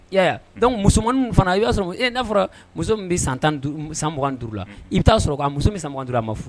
Yala dɔnc musomanmaniin fana i y'a sɔrɔ n'a fɔra muso min bɛ san tan sanugan duuru la i bɛ taaa sɔrɔ k'a muso min sanugan d a ma furu